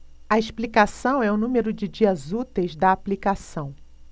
a explicação é o número de dias úteis da aplicação